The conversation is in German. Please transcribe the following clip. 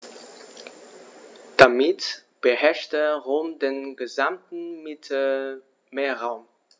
Damit beherrschte Rom den gesamten Mittelmeerraum.